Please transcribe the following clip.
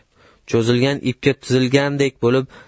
cho'zilgan ipga tizilgandek bo'lib